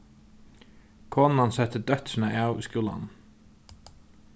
konan setti dóttrina av í skúlanum